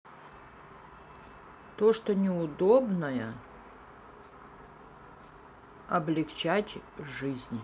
то что не удобное облегчать жизнь